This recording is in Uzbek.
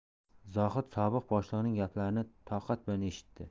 zohid sobiq boshlig'ining gaplarini toqat bilan eshitdi